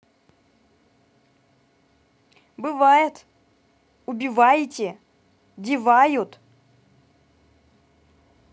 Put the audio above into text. бывает убиваете девают